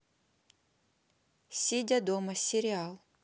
сидя дома сериал